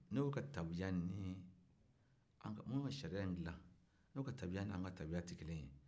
n' o ka tabiya ni minnu bɛ sariya in dilan n'u ka tabiya n'an ka tabiya tɛ kelen ye